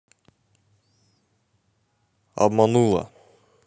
обманула